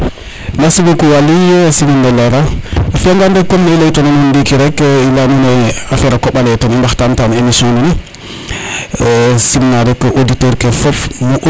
merci beaucoup Waly simin ne lera a fiya ngan rek comme ne i leytuna ndiki rek i leya nuun ne affaire a koɓale ten i mbaxtan tan ta no emission nene simna rek auditeur ke fop